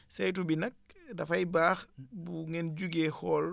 saytu bi nag dafay baax bu ngeen jugee xool